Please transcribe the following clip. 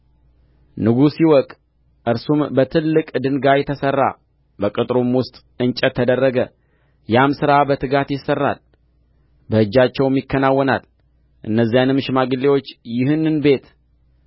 ንጉሡ ይወቅ እርሱም በትልቅ ድንጋይ ተሠራ በቅጥሩም ውስጥ እንጨት ተደረገ ያም ሥራ በትጋት ይሠራል በእጃቸውም ይከናወናል እነዚያንም ሽማግሌዎች ይህን ቤት